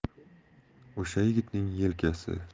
o'sha yigitning yelkasi